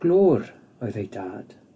Glöwr oedd ei dad.